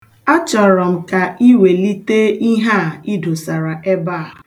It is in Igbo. A chọrọ m ka iwelite ihe a i dosara ebe a.